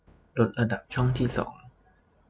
ลดระดับช่องที่สอง